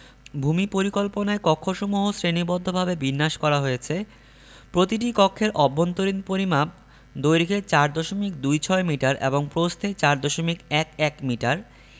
ভূমি পরিকল্পনায় কক্ষসমূহ শ্রেণীবদ্ধভাবে বিন্যাস করা হয়েছে প্রতিটি কক্ষের অভ্যন্তরীণ পরিমাপ দৈর্ঘ্যে ৪ দশমিক দুই ছয় মিটার এবং প্রস্থে ৪ দশমিক এক এক মিটার